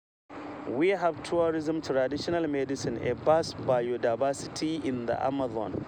We have tourism, traditional medicine, a vast biodiversity in the Amazon.